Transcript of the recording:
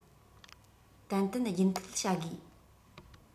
ཏན ཏན རྒྱུན མཐུད བྱ དགོས